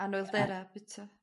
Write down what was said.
Anwyldera bita?